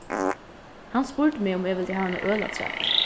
hann spurdi meg um eg vildi hava eina øl afturat